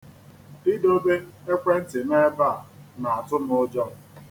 Idobe ekwentị m ebe a na-atụ m ụjọ.